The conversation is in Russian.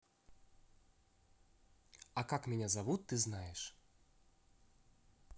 а как меня зовут ты знаешь